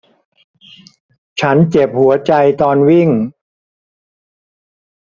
ฉันเจ็บหัวใจตอนวิ่ง